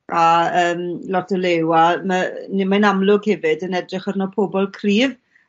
a yym lot o liw a ma', ne' mae'n amlwg hefyd yn edrych arno pobol cryf.